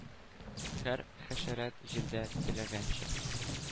Һәр хәшәрәт җирдә теләгәнчә